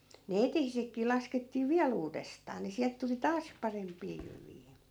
ne eteisetkin laskettiin vielä uudestaan niin sieltä tuli taas parempia jyviä